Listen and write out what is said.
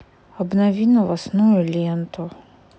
обнови новостную ленту